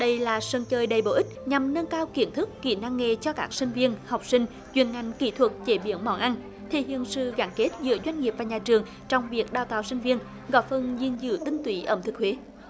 đây là sân chơi đầy bổ ích nhằm nâng cao kiến thức kỹ năng nghề cho các sinh viên học sinh chuyên ngành kỹ thuật chế biến món ăn thể hiện sự gắn kết giữa doanh nghiệp và nhà trường trong việc đào tạo sinh viên góp phần gìn giữ tinh túy ẩm thực huế